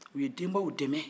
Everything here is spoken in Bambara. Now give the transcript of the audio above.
u ye denbaw dɛnmɛ